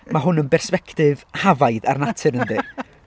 Mae hwn yn bersbectif hafaidd ar natur yndi?...